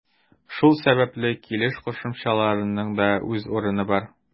Шул сәбәпле килеш кушымчаларының да үз урыны бар.